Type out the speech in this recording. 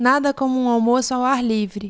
nada como um almoço ao ar livre